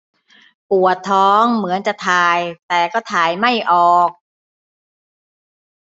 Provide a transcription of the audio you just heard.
ปวดท้องเหมือนจะถ่ายแต่ก็ถ่ายไม่ออก